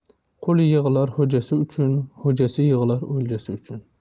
qui yig'lar xo'jasi uchun xo'jasi yig'lar oijasi uchun